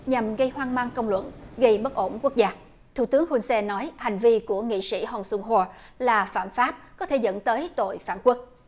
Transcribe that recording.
nhằm gây hoang mang công luận gây bất ổn quốc gia thủ tướng hun se nói hành vi của nghị sĩ hông sung hua là phạm pháp có thể dẫn tới tội phản quốc